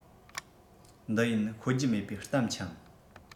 འདི ཡིན ཤོད རྒྱུ མེད པའི གཏམ འཁྱམས